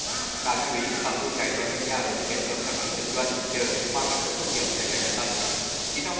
đáng chú ý vào vụ cháy loại hình nhà ở kết hợp sản xuất kinh doanh chở vào sản xuất công nghiệp ngày càng gia tăng chỉ trong